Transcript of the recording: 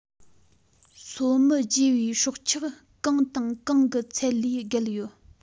སོ མི བརྗེ བའི སྲོག ཆགས གང དང གང གི ཚད ལས བརྒལ ཡོད